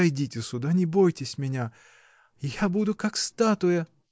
сойдите сюда, не бойтесь меня, я буду как статуя.